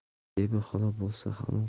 zebi xola bo'lsa hamon